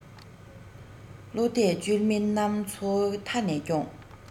བློ གཏད བཅོལ མི རྣམས ཚོ མཐའ ནས སྐྱོངས